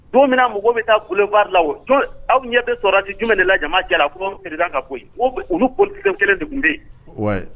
Don min na mɔgɔw bɛ taa boulevard la o aw ɲɛ bɛ sɔrɔdasi jumɛn de la jama cɛla ko président ka bɔ yen, n ko olu politicien kelenw de tun bɛ yen